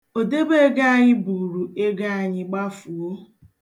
Odebeego anyị buuru ego anyị gbafuo.